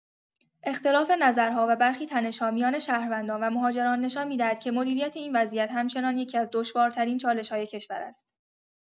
اختلاف نظرها و برخی تنش‌ها میان شهروندان و مهاجران نشان می‌دهد که مدیریت این وضعیت همچنان یکی‌از دشوارترین چالش‌های کشور است.